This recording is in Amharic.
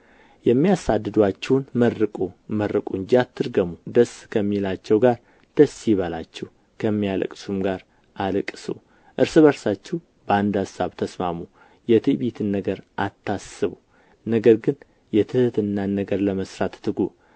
የሚያሳድዱአችሁን መርቁ መርቁ እንጂ አትርገሙ ደስ ከሚላቸው ጋር ደስ ይበላችሁ ከሚያለቅሱም ጋር አልቅሱ እርስ በርሳችሁ በአንድ አሳብ ተስማሙ የትዕቢትን ነገር አታስቡ ነገር ግን የትሕትናን ነገር ለመሥራት ትጉ